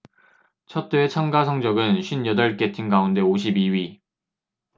첫 대회 참가 성적은 쉰 여덟 개 팀 가운데 오십 이 위